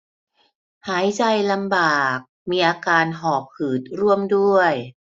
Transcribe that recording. หายใจลำบากมีอาการหอบหืดร่วมด้วย